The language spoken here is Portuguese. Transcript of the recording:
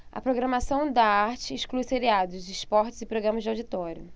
a programação da arte exclui seriados esportes e programas de auditório